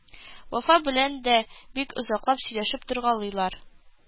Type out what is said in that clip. Вафа белән дә бик озаклап сөйләшеп торгалыйлар